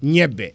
ñebbe